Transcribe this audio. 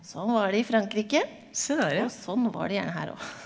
sånn var det i Frankrike og sånn var det gjerne her òg.